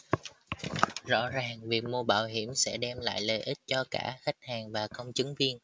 rõ ràng việc mua bảo hiểm sẽ đem lại lợi ích cho cả khách hàng và công chứng viên